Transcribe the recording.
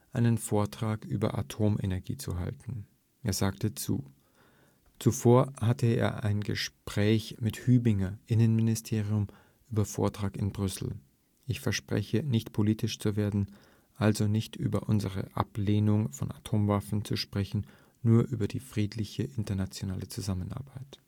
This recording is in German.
einen Vortrag über Atomenergie zu halten. Er sagte zu. – Zuvor hatte er ein „ Gespräch mit Hübinger, Innenministerium, über Vortrag in Brüssel. Ich verspreche, nicht politisch zu werden, also nicht über unsere Ablehnung von Atomwaffen zu sprechen, nur über die friedliche internationale Zusammenarbeit